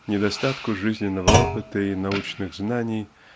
недостатку жизненного опыта и научных знаний